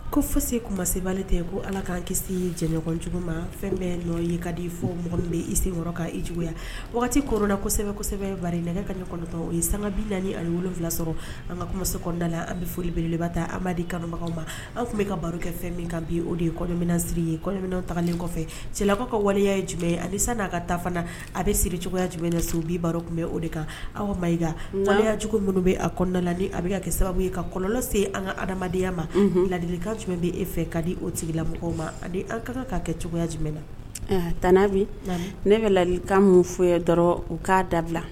Ko fo se tun se tɛ ko ala k'an kisi jɛcogo ma fɛn bɛ ye ka di fo mɔgɔ min bɛ isekɔrɔ ka juguya waati kolasɛbɛsɛbɛ la kaɲatɔn o ye sanbi naani ani wolonwula sɔrɔ an ka kuma se kɔndala an bɛ furubeleba ta an di kanuma ma an tun bɛ ka baro kɛ fɛn min kan bi o de ye kɔminsiri ye kɔminwtaalen kɔfɛ cɛkaw ka waleya ye jumɛn ye a bɛsa n'a ka taa a bɛ siri cogoyaya jumɛn na segubi baro tun bɛ o de kan aw ma ikayacogo minnu bɛ adala a bɛ ka kɛ sababu ye ka kɔlɔnlɔ lase an ka adamadenyaya ma ladilika jumɛn bɛ e fɛ ka di o tigila mɔgɔw ma kan ka kɛ cogoya jumɛn na t bi ne bɛ lalikan min fɔ dɔrɔn u k'a dabila